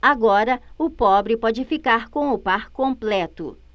agora o pobre pode ficar com o par completo